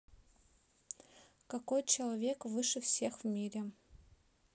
какой человек выше всех в мире